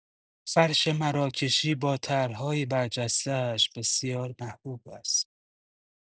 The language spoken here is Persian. فرش مراکشی با طرح‌های برجسته‌اش بسیار محبوب است.